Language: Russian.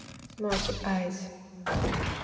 смоки айс